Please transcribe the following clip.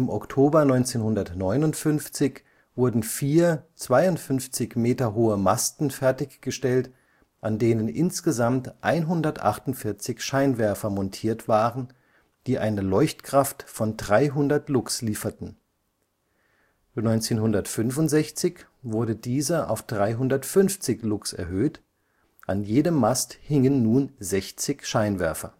Oktober 1959 wurden vier 52 Meter hohe Masten fertiggestellt, an denen insgesamt 148 Scheinwerfer montiert waren, die eine Leuchtkraft von 300 Lux lieferten. 1965 wurde diese auf 350 Lux erhöht, an jedem Mast hingen nun 60 Scheinwerfer